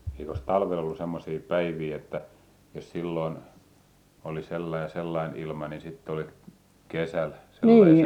eikös talvella ollut semmoisia päiviä että jos silloin oli sellainen ja sellainen ilma niin sitten oli kesällä sellainen -